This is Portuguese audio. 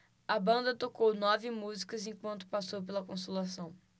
a banda tocou nove músicas enquanto passou pela consolação